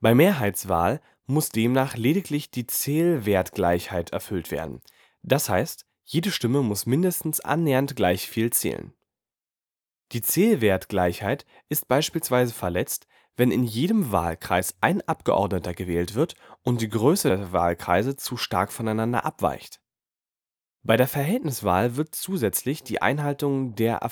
Mehrheitswahl muss demnach lediglich die Zählwertgleichheit erfüllt werden, das heißt jede Stimme muss mindestens annähernd gleich viel zählen. Die Zählwertgleichheit ist beispielsweise verletzt, wenn in jedem Wahlkreis ein Abgeordneter gewählt wird und die Größe der Wahlkreise zu stark voneinander abweicht. Bei der Verhältniswahl wird zusätzlich die Einhaltung der